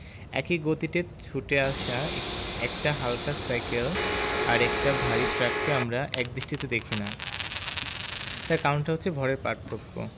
একই গতিতে ছুটে আসা একটা হালকা সাইকেল আর একটা ভারী ট্রাককে আমরা একদৃষ্টিতে দেখি না তার কারণটা হচ্ছে ভরের পার্থক্য